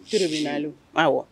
Su de bɛ na h wa